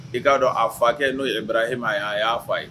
I k'a dɔn a fakɛ n'o yɛrɛ bara e m'a'a a y'a fɔ a ye